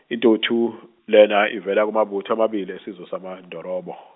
intuthu, lena ivela kumabutho amabili esizwe samaNdorobo.